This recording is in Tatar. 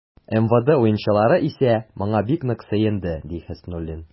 МВД уенчылары исә, моңа бик нык сөенде, ди Хөснуллин.